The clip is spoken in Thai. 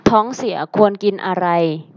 ท้องเสียควรกินอะไร